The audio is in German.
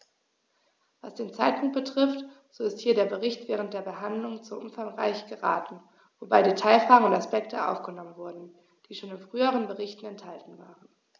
Was den Zeitpunkt betrifft, so ist hier der Bericht während der Behandlung zu umfangreich geraten, wobei Detailfragen und Aspekte aufgenommen wurden, die schon in früheren Berichten enthalten waren.